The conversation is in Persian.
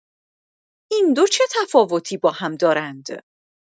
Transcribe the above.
این دو چه تفاوتی باهم دارند؟